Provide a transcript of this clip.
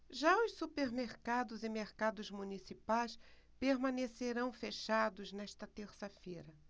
já os supermercados e mercados municipais permanecerão fechados nesta terça-feira